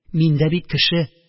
Мин дә бит кеше.